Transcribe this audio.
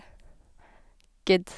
Good.